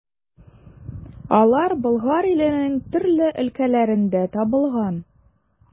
Алар Болгар иленең төрле өлкәләрендә табылган.